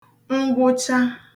ngwụcha